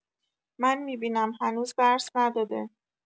من می‌بینم هنوز درس نداده